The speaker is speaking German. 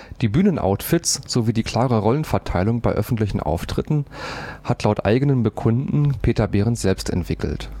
Die Bühnenoutfits sowie die klare Rollenverteilung bei öffentlichen Auftritten hat laut eigenem Bekunden Peter Behrens selbst entwickelt